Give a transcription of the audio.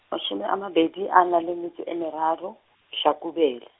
mashome a mabedi a na leng metso e meraro, Hlakubele.